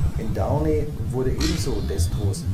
In Downey wurde ebenso Destros